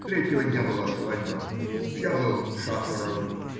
Третьего дня была свадьба; я был шафером.